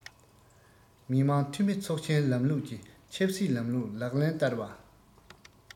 མི དམངས འཐུས མི ཚོགས ཆེན ལམ ལུགས ཀྱི ཆབ སྲིད ལམ ལུགས ལག ལེན བསྟར བ